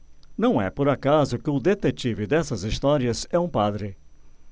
não é por acaso que o detetive dessas histórias é um padre